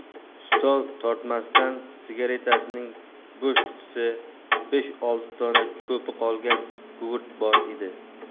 stol tortmasidan sigaretasining bo'sh qutisi besh olti dona cho'pi qolgan gugurt bor edi